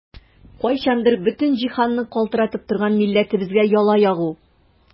Кайчандыр бөтен җиһанны калтыратып торган милләтебезгә яла ягу!